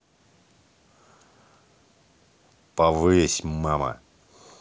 повысь мама